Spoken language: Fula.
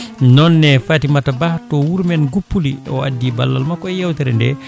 nonne Fatimata Ba to wuuro men Guppuli o addi balal makko e yewtere nde